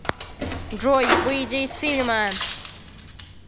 джой выйди из фильма